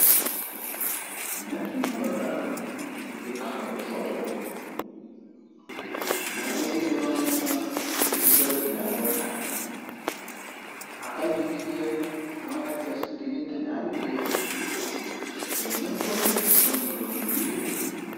Ñatti ndongo daara, di ngi taxaw di fotowo, ñatti ñuy dono nama seen bërabi jangookaaye, akam ci jigeen monekan ci digginte ñaari góori, te ñepp nooni rolo yi ree.